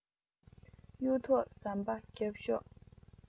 གཡུ ཐོག ཟམ པ བརྒྱབ ཤོག